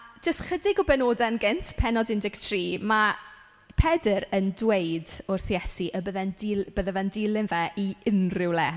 Jyst chydig o benodau yn gynt, pennod un deg tri, ma' Pedr yn dweud wrth Iesu y bydde e'n dilyn... bydde fe'n dilyn fe i unrhyw le.